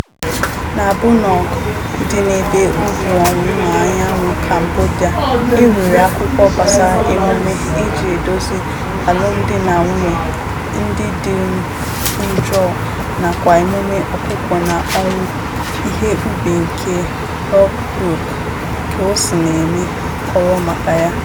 Na Bunong, dị n'ebe ugwu ọwụwa anyanwụ Cambodia, e nwere akụkọ gbasara emume e jị edozi alụmdinanwunye ndị dị njọ nakwa emume ọ̀kụ̀kọ̀ na ọwụwụ ihe ubi nke Khoeuk Keosinaem kọrọ maka ya.